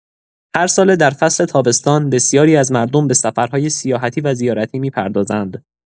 هرساله در فصل تابستان، بسیاری از مردم به سفرهای سیاحتی و زیارتی می‌پردازند.